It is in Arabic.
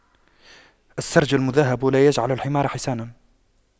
السَّرْج المُذهَّب لا يجعلُ الحمار حصاناً